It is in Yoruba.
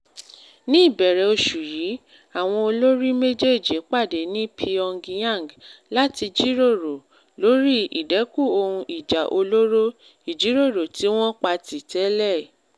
Ní ibẹ̀rẹ̀ oṣù yí, àwọn olórí méjèèjì pàdé ní Pyongyang láti jíròrò lóri ìdẹ́kun ohun ìjà olóró, ìjíròrò tí wọ́n patì tẹ́lẹ̀.